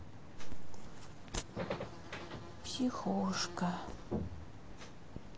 психушка